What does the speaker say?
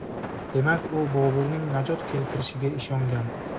demak u boburning najot keltirishiga ishongan